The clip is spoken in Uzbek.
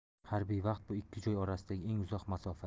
harbiy vaqt bu ikki joy orasidagi eng uzoq masofa